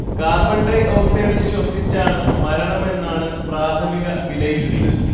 carbon dioxide ശ്വസിച്ചാണ് മരണമെന്നാണ് പ്രാഥമിക വിലയിരുത്തൽ